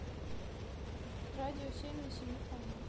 радио семь на семи холмах